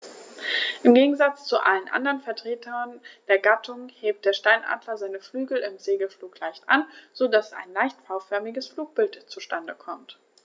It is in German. Im Gegensatz zu allen anderen Vertretern der Gattung hebt der Steinadler seine Flügel im Segelflug leicht an, so dass ein leicht V-förmiges Flugbild zustande kommt.